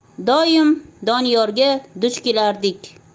doim doniyorga duch kelardik